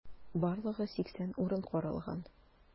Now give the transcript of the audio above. Барлыгы 80 урын каралган.